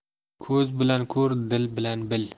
ko'z bilan ko'r dil bilan bil